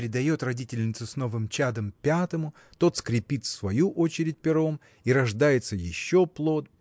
передает родительницу с новым чадом пятому – тот скрипит в свою очередь пером и рождается еще плод